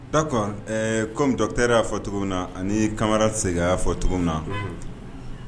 Dakɔ kɔnm Dɔktɛri y'a fɔ cogo min na ani kamaradi Sega y'a fɔ cogo min na.